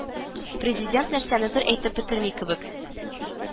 Президент нәрсәнедер әйтеп бетерми кебек